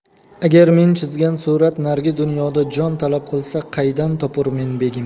agar men chizgan surat narigi dunyoda jon talab qilsa qaydan topurmen begim